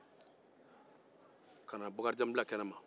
ka na bakarijan bila kɛnɛ ma